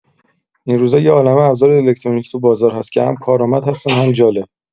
این روزا یه عالمه ابزار الکترونیک توی بازار هست که هم کارامد هستن هم جالب.